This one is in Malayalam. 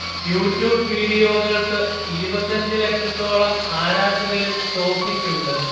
യൂട്യൂബ് വീഡിയോകൾക്ക് ഇരുപത്തഞ്ച് ലക്ഷത്തോളം ആരാധകരും സോഫിക്കുണ്ട്